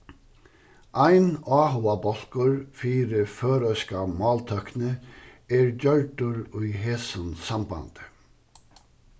ein áhugabólkur fyri føroyska máltøkni er gjørdur í hesum sambandi